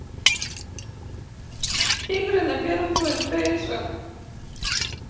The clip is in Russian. игры на первый плейстейшн